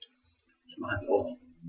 Ich mache es aus.